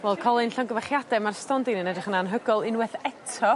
Wel colin llongyfachiade ma'r stondin yn edrych yna anhygol unwaith eto.